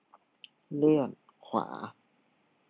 เลื่อนขวา